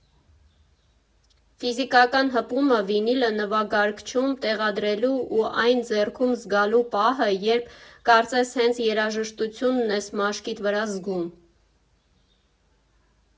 Ֆիզիկական հպումը, վինիլը նվագարկչում տեղադրելու ու այն ձեռքում զգալու պահը, երբ կարծես հենց երաժշտությունն ես մաշկիդ վրա զգում։